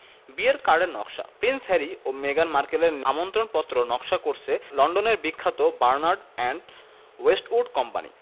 বিয়ের কার্ডের নকশা প্রিন্স হ্যারি ও মেগান মার্কেলের আমন্ত্রণপত্র নকশা করছে লন্ডনের বিখ্যাত বার্নার্ড অ্যান্ড ওয়েস্টউড কোম্পানি